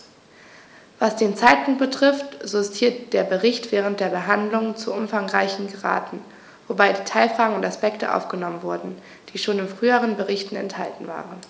Was den Zeitpunkt betrifft, so ist hier der Bericht während der Behandlung zu umfangreich geraten, wobei Detailfragen und Aspekte aufgenommen wurden, die schon in früheren Berichten enthalten waren.